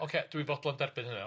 Ocê dwi fodlon derbyn hynna.